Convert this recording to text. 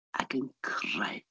Ac yn creu.